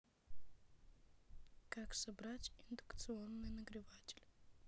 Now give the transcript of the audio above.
как собрать индукционный нагреватель